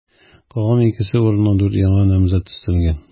Калган икесе урынына дүрт яңа намзәт өстәлгән.